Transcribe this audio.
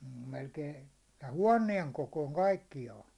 mm melkein tämän huoneen kokoinen kaikkiaan